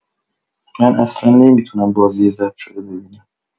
من اصلا نمی‌تونم بازی ضبط‌شده ببینم.